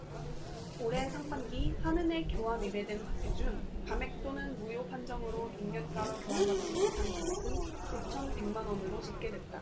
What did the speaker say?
올해 상반기 한은에 교환 의뢰된 화폐 중 감액 또는 무효판정으로 액면가로 교환받지 못한 금액은 오천 백 만원으로 집계됐다